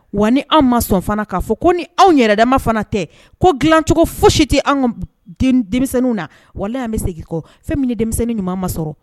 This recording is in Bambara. Wa ni anw ma sɔn fana k'a fɔ ko nianw yɛrɛdama fana tɛ ko dilancogo foyi si tɛ anw ka denmisɛnnin na wallahi an bɛ segin kɔ, fɛn min denmisɛnnin ɲuman ma sɔrɔ